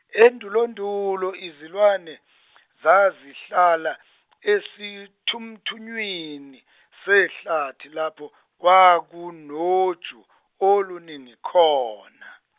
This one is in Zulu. endulondulo izilwane zazihlala esithumuthunywini sehlathi lapho kwakunoju oluningi khona.